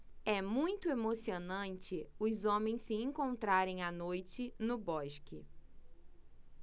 é muito emocionante os homens se encontrarem à noite no bosque